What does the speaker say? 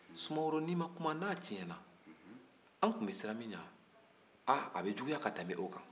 sumaworo ni ma kuma n'a tiɲɛna an tun bɛ siran min ɲɛ aa a bɛ juguya ka tɛmɛ o kan